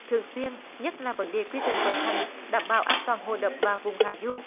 thường xuyên nhất là vấn đề quy trình vận hành đảm bảo an toàng hồ đập và vùng hạ du